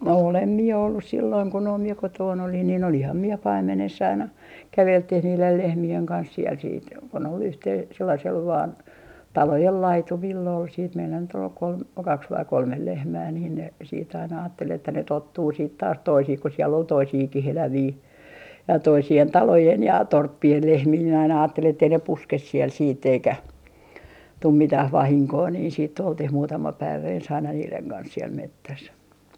olen minä ollut silloin kun noin minä kotona olin niin olinhan minä paimenessa aina käveltiin niiden lehmien kanssa siellä sitten kun ne oli - sellaisella vain talojen laitumilla oli sitten meillä nyt oli - kaksi vai kolme lehmää niin ne sitten aina ajatteli että ne tottuu sitten taas toisiin kun siellä oli toisiakin eläviä ja toisien talojen ja torppien lehmiä minä aina ajattelin että ei ne puske siellä sitten eikä tule mitään vahinkoa niin sitten oltiin muutama päivä ensin aina niiden kanssa siellä metsässä